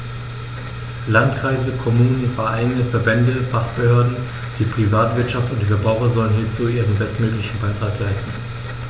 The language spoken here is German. Landkreise, Kommunen, Vereine, Verbände, Fachbehörden, die Privatwirtschaft und die Verbraucher sollen hierzu ihren bestmöglichen Beitrag leisten.